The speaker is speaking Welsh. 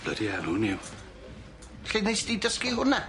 Bloody hell, who knew? Lle wnes di dysgu hwnna?